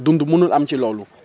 dund munul am ci loolu